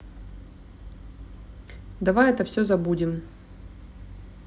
давай это все забудем